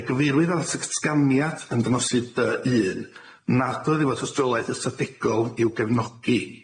Fe gyfeirwyd at y datganiad yn dangosydd dy un nad oedd efo tystiolaeth ystadegol i'w gefnogi.